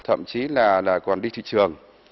thậm chí là là còn đi thị trường